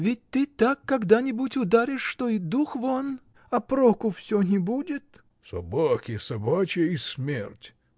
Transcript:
Ведь ты так когда-нибудь ударишь, что и дух вон, а проку всё не будет. — Собаке собачья и смерть!